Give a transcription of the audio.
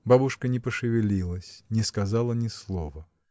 Бабушка не пошевелилась, не сказала ни слова.